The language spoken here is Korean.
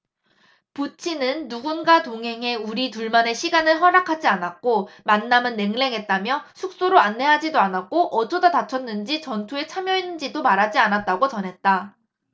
부친은 누군가 동행해 우리 둘만의 시간을 허락하지 않았고 만남은 냉랭했다며 숙소로 안내하지도 않았고 어쩌다 다쳤는지 전투에 참여했는지도 말하지 않았다고 전했다